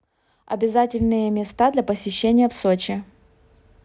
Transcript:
обязательные места для посещения в сочи